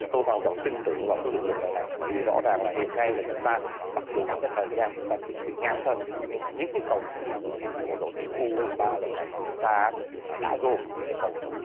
tôi hoàn toàn tin tưởng vào cái lực lượng lần này bởi vì rõ ràng là hiện nay là chúng ta mặc dù là cái thời gian chúng ta chuẩn bị ngắn thôi nhưng mà những cái cầu thủ của đội tuyển u hăm ba lần này của chúng ta á đã gồm những cầu thủ